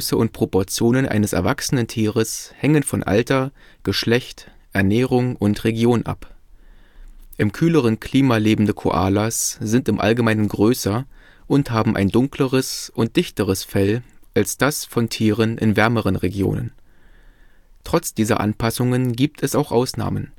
und Proportionen eines erwachsenen Tieres hängen von Alter, Geschlecht, Ernährung und Region ab. Im kühleren Klima lebende Koalas sind im Allgemeinen größer und haben ein dunkleres und dichteres Fell als das von Tieren in wärmeren Regionen. Trotz dieser Anpassungen gibt es auch Ausnahmen